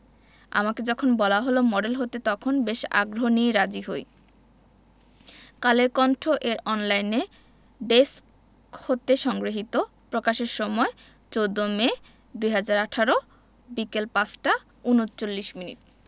আমাকে যখন বলা হলো মডেল হতে তখন বেশ আগ্রহ নিয়েই রাজি হই কালের কণ্ঠ এর অনলাইনে ডেস্ক হতে সংগৃহীত প্রকাশের সময় ১৪মে ২০১৮ বিকেল ৫টা ৩৯ মিনিট